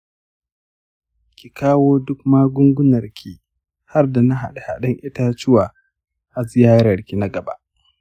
ki kawo duk magungunanki har da na haɗa haɗen itatuwa a ziyararki ta gaba.